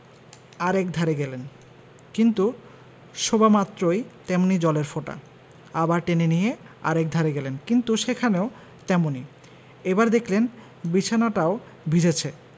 আর একধারে গেলেন কিন্তু শোবামাত্রই তেমনি জলের ফোঁটা আবার টেনে নিয়ে আর একধারে গেলেন কিন্তু সেখানেও তেমনি এবার দেখলেন বিছানাটাও ভিজেছে